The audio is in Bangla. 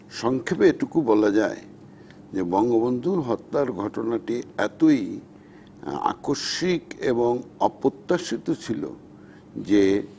সংক্ষেপে এটুকু বলা যায় বঙ্গবন্ধু হত্যার ঘটনাটি এতই আকস্মিক এবং অপ্রত্যাশিত ছিল যে